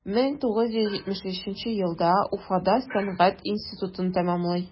1973 елда уфада сәнгать институтын тәмамлый.